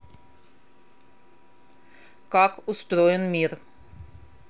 как устроен мир